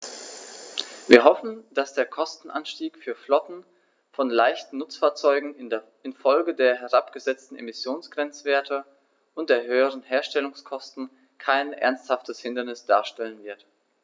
Wir hoffen, dass der Kostenanstieg für Flotten von leichten Nutzfahrzeugen in Folge der herabgesetzten Emissionsgrenzwerte und der höheren Herstellungskosten kein ernsthaftes Hindernis darstellen wird.